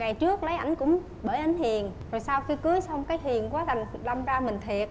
ngày trước lấy ảnh cũng bởi ảnh hiền rồi sau khi cưới xong cái hiền quá đâm ra mình thệt